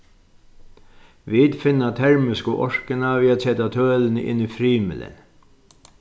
vit finna termisku orkuna við at seta tølini inn í frymilin